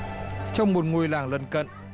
trong một ngôi làng lân cận